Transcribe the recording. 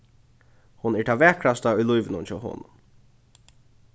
hon er tað vakrasta í lívinum hjá honum